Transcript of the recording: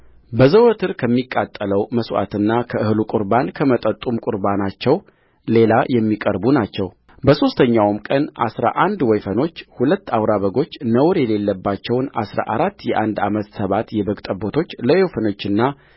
በዘወትር ከሚቃጠለው መሥዋዕትና ከእህሉ ቍርባን ከመጠጡም ቍርባናቸው ሌላ የሚቀርቡ ናቸውበሦስተኛውም ቀን አሥራ አንድ ወይፈኖች ሁለት አውራ በጎች ነውር የሌለባቸውን አሥራ አራት የአንድ ዓመት ተባት የበግ ጠቦቶችለወይፈኖቹና